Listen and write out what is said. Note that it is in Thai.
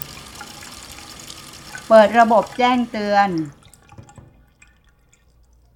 เปิดระบบแจ้งเตือน